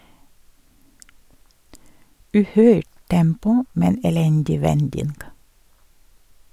Uhøyrt tempo, men elendig vending.